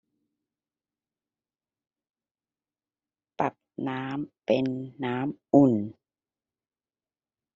ปรับน้ำเป็นน้ำอุ่น